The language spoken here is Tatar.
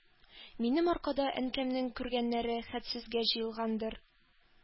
Минем аркада Әнкәмнең күргәннәре хәтсезгә җыелгандыр.